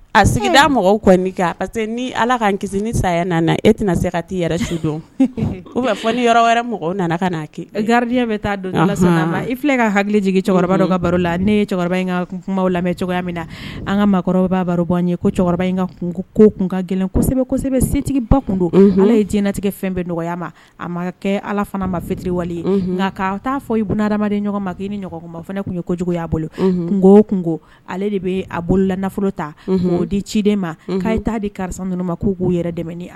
A sigi mɔgɔw que ni ala ka kisi ni saya nana e tɛna se ka fɔ ni wɛrɛ nana kɛ gari bɛ ma i filɛ ka hakili jigin ka baro la ne in ka lamɛn min na an kakɔrɔba ye in ka kun ko kunkan gɛlɛnsɛbɛ setigiba kun don ala ye jnatigɛ fɛn bɛɛ nɔgɔya ma a ma kɛ ala fana ma fittiriwale nka k' taa'a fɔ idamaden ɲɔgɔn ma k'i ni ɲɔgɔn ma fana ne tun ye kocogo'a bolo o kunko ale de bɛ a bolo la nafolo ta di ciden ma k' e t'a di karisa ninnu ma k'u'u yɛrɛ dɛmɛ